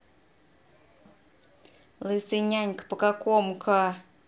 лысый нянька по какому ка